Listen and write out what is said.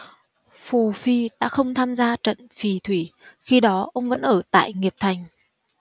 phù phi đã không tham gia trận phì thủy khi đó ông vẫn ở tại nghiệp thành